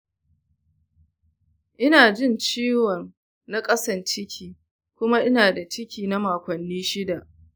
ina jin ciwon na ƙasan ciki kuma ina da ciki na makonni shida.